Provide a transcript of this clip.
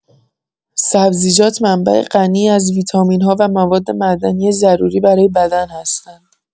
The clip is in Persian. سبزیجات منبع غنی از ویتامین‌ها و مواد معدنی ضروری برای بدن هستند.